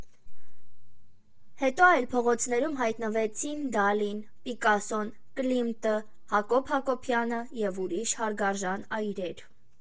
Հետո այլ փողոցներում հայտնվեցին Դալին, Պիկասոն, Կլիմտը, Հակոբ Հակոբյանը և շատ ուրիշ հարգարժան այրեր։